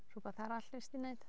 Rhywbeth arall wnes ti wneud?